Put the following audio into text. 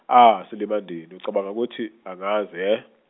ah silima ndini ucabanga ukuthi angazi hhe?